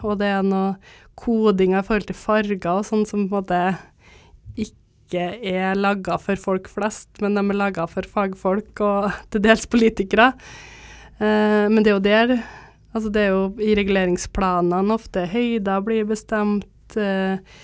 og det er noen kodinger i forhold til farger og sånn som på en måte ikke er laget for folk flest men dem er laget for fagfolk og til dels politikere men det er jo der altså det er jo i reguleringsplanene ofte høyder blir bestemt .